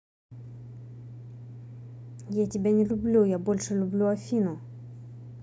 я тебя не люблю я больше люблю афину